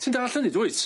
Ti'n dallt hynny dwyt?